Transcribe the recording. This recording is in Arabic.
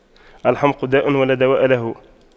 الحُمْقُ داء ولا دواء له